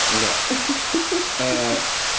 Oce... ...Yy...